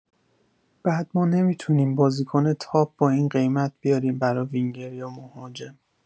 بعد ما نمی‌تونیم بازیکن تاپ با این قیمت بیاریم برا وینگر یا مهاجم